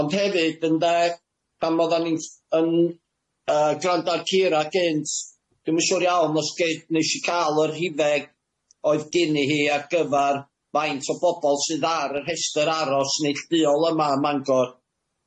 Ond hefyd ynde, pan oddan ni'n s- yn yy grando ar Cira gynt dwi'm yn siŵr iawn os gei- nesh i ca'l yr rhifeg oedd gin i hi ar gyfar faint o bobol sydd ar y rhestyr aros neilltuol yma ym Mangor.